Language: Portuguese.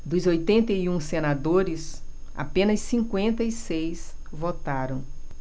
dos oitenta e um senadores apenas cinquenta e seis votaram